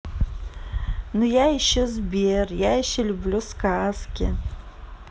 ну я еще сбер я еще люблю сказки